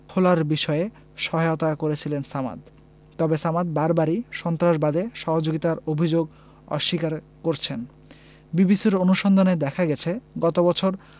খোলার বিষয়ে সহায়তা করেছিলেন সামাদ তবে সামাদ বারবারই সন্ত্রাসবাদে সহযোগিতার অভিযোগ অস্বীকার করছেন বিবিসির অনুসন্ধানে দেখা গেছে গত বছর